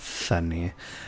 Funny.